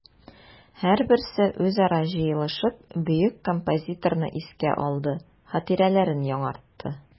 Һәрберсе үзара җыелышып бөек композиторны искә алды, хатирәләрен яңартты.